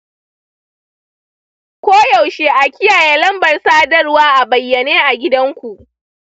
koyaushe a kiyaye lambar sadarwa a bayyane a gidanku.